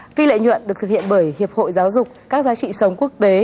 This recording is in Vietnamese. phi lợi nhuận được thực hiện bởi hiệp hội giáo dục các giá trị sống quốc tế